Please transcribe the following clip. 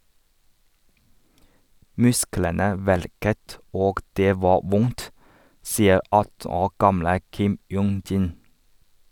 Musklene verket og det var vondt, sier 18 år gamle Kim Myung-jin.